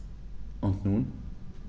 Und nun?